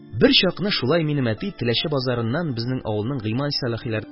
Берчакны шулай минем әти Теләче базарыннан безнең авылның Гыймай Сәләхиләренә